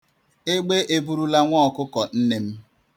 Egbe eburula nwa ọkụkọ nne m.